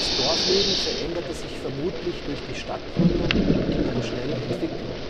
Dorfleben veränderte sich vermutlich durch die Stadtgründung und ihre schnelle Entwicklung